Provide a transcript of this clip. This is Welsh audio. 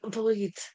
Bwyd!